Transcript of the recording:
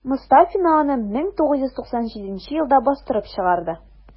Мостафина аны 1997 елда бастырып чыгарды.